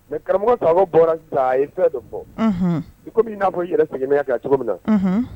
Mɛ karamɔgɔ'a fɔ bɔra sisan a ye fɛn dɔ bɔ i na fɔ yɛrɛ sigilen kan cogo min na